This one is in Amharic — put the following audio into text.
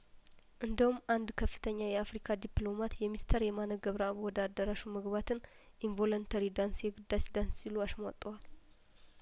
እንደ ውም አንድ ከፍተኛ የአፍሪካ ዲፕሎማት የሚስተር የማነ ገብረአብ ወደ አዳራሹ መግባትን ኢንቮለንተሪ ዳንስ የግዳጅ ዳንስ ሲሉ አሽሟጠዋል